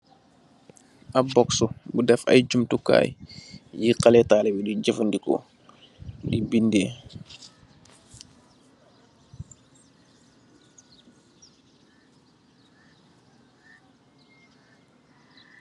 Ap boksu bu dèf ay jumtukai yii xalèh talibeh yi di jafandiko di bindè.